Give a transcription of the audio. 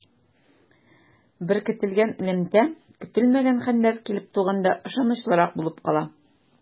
Беркетелгән элемтә көтелмәгән хәлләр килеп туганда ышанычлырак булып кала.